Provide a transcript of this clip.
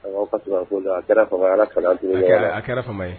A kɛra fama ye Ala ka nan tunu ɲɔgɔn na.